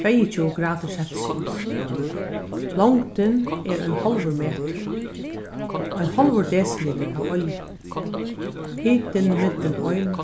tveyogtjúgu gradir celsius longdin er ein hálvur metur ein hálvur desilitur av olju hitin millum eina